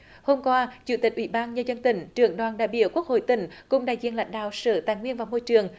hôm qua chủ tịch ủy ban nhân dân tỉnh trưởng đoàn đại biểu quốc hội tỉnh cùng đại diện lãnh đạo sở tài nguyên và môi trường